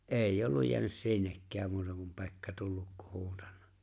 ei ollut jäänyt sinnekään muuta kuin Pekka tullut kun huutanut